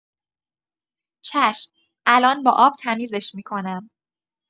چشم، الان با آب تمیزش می‌کنم.